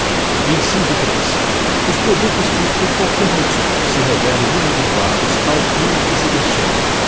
inciso três os produtos que por qualquer motivo se revelem inadequados ao fim a que se destinam